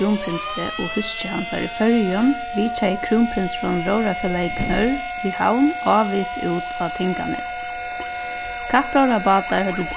krúnprinsi og húski hansara í føroyum vitjaði krúnprinsurin róðrarfelagið knørr í havn ávegis út á tinganes kappróðrarbátar høvdu